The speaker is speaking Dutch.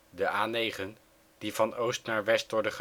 De A9, die van oost naar west door de